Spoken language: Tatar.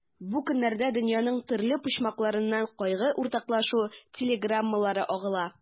Бу көннәрдә дөньяның төрле почмакларыннан кайгы уртаклашу телеграммалары агыла.